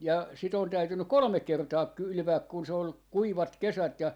ja sitä on täytynyt kolme kertaa kylvää kun se oli kuivat kesät ja